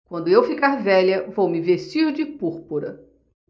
quando eu ficar velha vou me vestir de púrpura